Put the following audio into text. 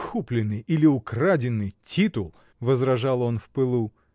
— Купленный или украденный титул! — возражал он в пылу.